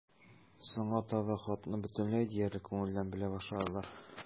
Соңга таба хатны бөтенләй диярлек күңелдән белә башладылар.